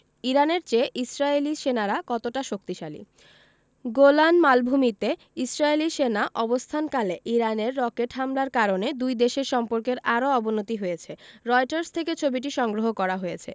ইরানের চেয়ে ইসরায়েলি সেনারা কতটা শক্তিশালী গোলান মালভূমিতে ইসরায়েলি সেনা অবস্থানকালে ইরানের রকেট হামলার কারণে দুই দেশের সম্পর্কের আরও অবনতি হয়েছে রয়টার্স থেকে ছবিটি সংগ্রহ করা হয়েছে